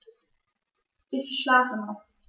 Ich schlafe noch.